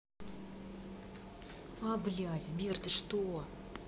а блядь сбер ты что ли